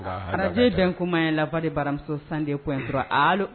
Araj den kuma la de baramuso san kokura